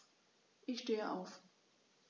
Ich stehe auf.